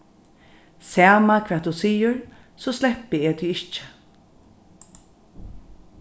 sama hvat tú sigur so sleppi eg tí ikki